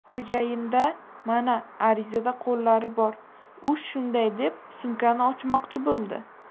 xo'jayin da mana arizada qo'llari bor u shunday deb sumkani ochmoqchi bo'ldi